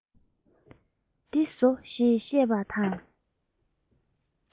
འདི ཟོ ཞེས བཤད པ དང